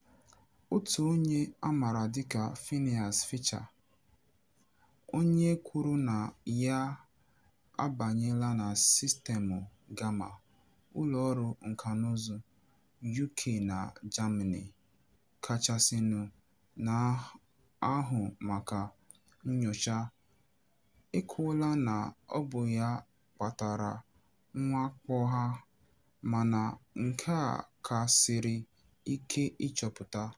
Otu onye a maara dịka "Phineas Fisher", onye kwuru na ya abanyela na sistemụ Gamma, ụlọọrụ nkànaụzụ UK na Germany kachasịnụ na-ahụ maka nnyocha, ekwuola na ọ bụ ya kpatara mwakpo a, mana nke a ka siri ike ịchọpụta.